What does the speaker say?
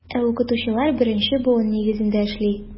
Ә укытучылар беренче буын нигезендә эшли.